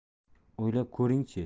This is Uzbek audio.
o'ylab ko'ringchi